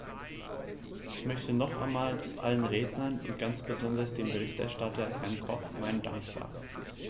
Ich möchte nochmals allen Rednern und ganz besonders dem Berichterstatter, Herrn Koch, meinen Dank sagen.